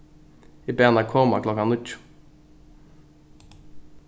eg bað hana koma klokkan níggju